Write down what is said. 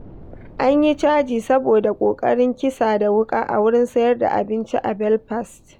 An yi caji saboda ƙoƙarin kisa da wuƙa a wurin sayar da abinci a Belfast